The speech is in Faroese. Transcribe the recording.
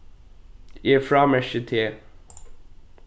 eg frámerki teg